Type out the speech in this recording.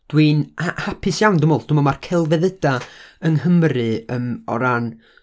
Dwi'n ha- hapus iawn, dwi meddwl, dwi meddwl ma'r celfyddydau yng Nghymru, yym, o ran...